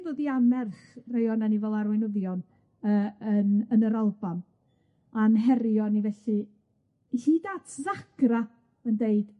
###ddod i annerch rei onan ni fel arweinyddion yy yn yn yr Alban, a'n herio ni felly, hyd at ddagra yn deud,